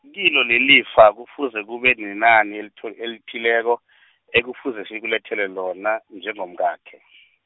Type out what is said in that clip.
kilelo lifa kufuze kube nenani elitho- elithileko , ekufuze sikulethele lona, njengomkakhe .